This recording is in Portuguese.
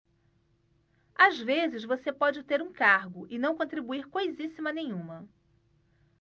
às vezes você pode ter um cargo e não contribuir coisíssima nenhuma